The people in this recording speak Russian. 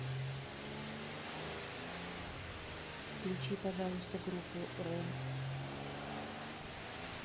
включи пожалуйста группу рем